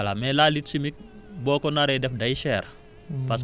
voilà mais la lutte chimique boo ko naree def day cher